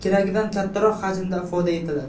keragidan kattaroq hajmda ifoda etiladi